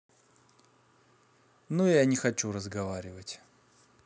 ну я не хочу разговаривать